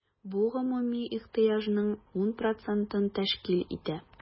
Бу гомуми ихтыяҗның 10 процентын тәшкил итә.